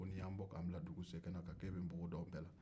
ko n'i y'an bɔ dugu sokɛnɛ kan k'e bɛ npogo don an bɛɛ la